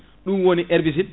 ɗum woni herbicide